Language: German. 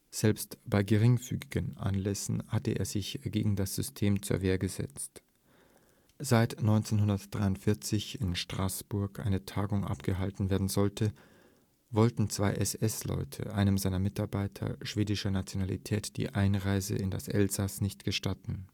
Selbst bei geringfügigen Anlässen hat er sich gegen das System zur Wehr gesetzt. Als 1943 in Strassburg eine Tagung abgehalten werden sollte, wollten zwei SS-Leute einem seiner Mitarbeiter schwedischer Nationalität die Einreise in das Elsass nicht gestatten